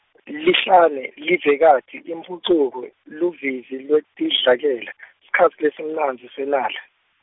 Lihlane, Livekati, Imphucuko, Luvivi lwetidlakela, sikhatsi lesimnandzi senala.